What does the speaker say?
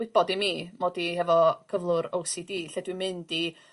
wybod i mi mod i hefo cyflwr ow si di lle dwi'n mynd i...